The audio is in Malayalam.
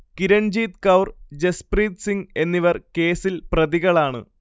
കിരൺജീത് കൗർ, ജസ്പ്രീത് സിങ് എന്നിവർ കേസിൽ പ്രതികളാണ്